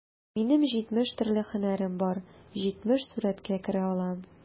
Минем җитмеш төрле һөнәрем бар, җитмеш сурәткә керә алам...